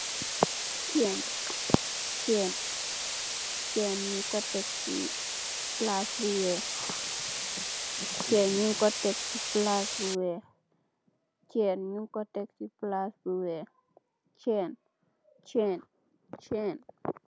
Cèèn ñung ku tek ci palas bu wèèx.